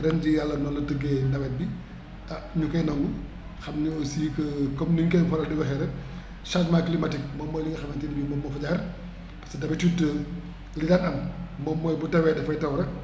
ren jii Yàlla noonu la tëggee nawet bi ah ñu koy nangu xam ne aussi que comme ni ñu koy faral di waxee rekk changement climatique moom mooy li nga xamante ni moom moo fa jaar parce que d' habitude li daan am moom mooy bu tawee dafay taw rekk